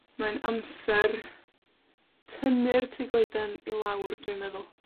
Mae'n amser tynnu'r tŷ goeden i lawr, dwi'n meddwl,